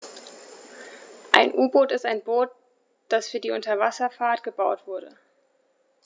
Ein U-Boot ist ein Boot, das für die Unterwasserfahrt gebaut wurde.